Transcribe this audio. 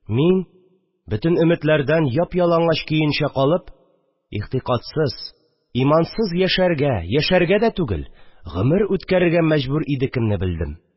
Мин, бөтен өметләрдән яп-ялангач көенчә калып, игътикадсыз, имансыз яшәргә, яшәргә дә түгел, гомер үткәрергә мәҗбүр идекемне белдем